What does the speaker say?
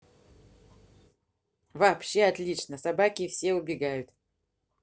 вообще отлично собаки и все убегают